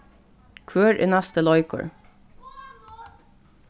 hvør er næsti leikur